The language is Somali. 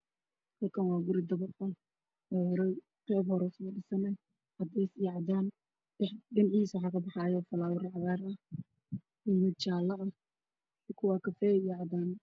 Kani waa guri dabaq ah qeybtiisa waa cadaan iyo cadeys, dhinaciisa waxaa kabaxaayo falaawaro cagaar ah iyo mid jaale ah, dhulka waa kafay iyo cadaan.